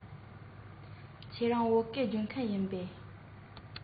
ང རང ཆུང དུས ཀྱི ཁྱིམ གཞིས ཧྭ ཧྥོར ན ཡོད ཁྱིམ ཚང གི ལྟོ གོས ཕྱིད ཙམ ལས མེད